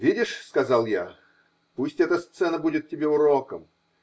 -- Видишь, -- сказал я, -- пусть эта сцена будет тебе уроком.